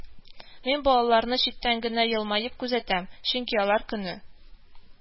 Мин балаларны читтән генә елмаеп күзәтәм, чөнки алар көне